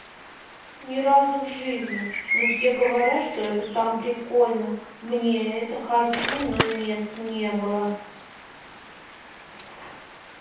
ни разу в жизни но все говорят что это там прикольно мне это хочу но нет не было